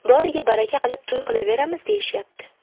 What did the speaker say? boriga baraka qilib to'y qilaveramiz deyishyapti